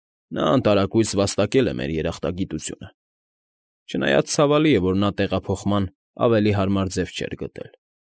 Նա, անտարակույս, վաստակել է մեր երախտագիտությունը, չնայած ցավալի է, որ նա տեղափոխման ավելի հարմար ձև չէր գտել։